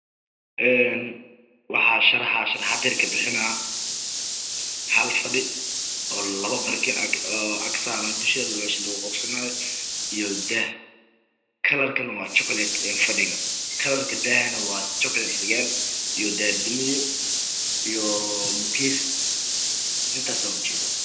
Een waxaa sharaxa sharaxad yar kabixinaa hal fadhi oo labo barkin agsaaran dusheeda wayso lagu qabsanayo iyo daah kalarkana waa chocolate kalarka daaha waa chocolate xigeen iyo daar damiye oo mukeef